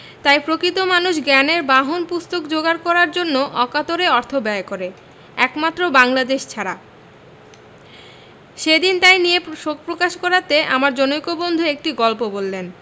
তাই প্রকিত মানুষ জ্ঞানের বাহন পুস্তক যোগাড় করার জন্য অকাতরে অর্থ ব্যয় করে একমাত্র বাঙলা দেশ ছাড়া সেদিন তাই নিয়ে শোকপ্রকাশ করাতে আমার জনৈক বন্ধু একটি গল্প বললেন